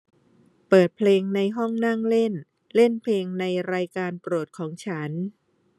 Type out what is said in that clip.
เปิดเพลงในห้องนั่งเล่นเล่นเพลงในรายการโปรดของฉัน